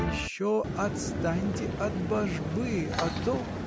— Еще отстаньте от божбы, а то.